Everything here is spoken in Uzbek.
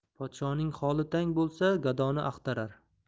podshoning holi tang bo'lsa gadoni axtarar